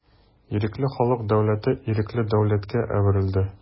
Ирекле халык дәүләте ирекле дәүләткә әверелде.